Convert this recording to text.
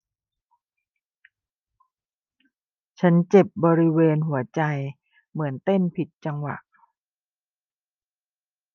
ฉันเจ็บบริเวณหัวใจเหมือนเต้นผิดจังหวะ